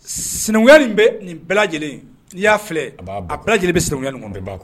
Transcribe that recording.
Sinankuya de bɛ nin bɛɛ lajɛlen ye . Ni ya filɛ a bɛ lajɛlen bɛ sinankuya nin kɔnɔ. A bɛɛ ba kɔnɔ